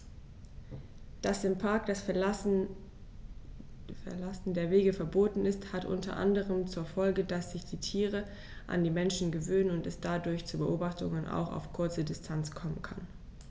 Dass im Park das Verlassen der Wege verboten ist, hat unter anderem zur Folge, dass sich die Tiere an die Menschen gewöhnen und es dadurch zu Beobachtungen auch auf kurze Distanz kommen kann.